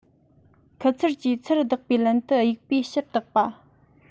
ཁུ ཚུར གྱིས ཚུར བརྡེགས པའི ལན དུ དབྱུག པས ཕྱིར རྡེག པ